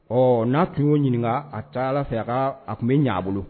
Ɔ n'a tun y'o ɲininka a taara ala fɛ a ka a tun bɛ ɲɛ a bolo